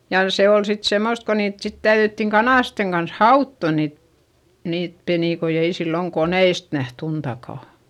ja se oli sitten semmoista kun niitä sitten täydyttiin kanasten kanssa hautoa niitä niitä penikoita ei silloin koneista nähty untakaan